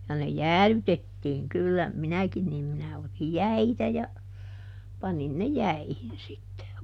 ja ne jäädytettiin kyllä minäkin niin minä otin jäitä ja panin ne jäihin sitten